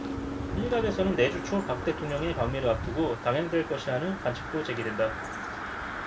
일각에서는 내주 초 박 대통령의 방미를 앞두고 단행될 것이라는 관측도 제기된다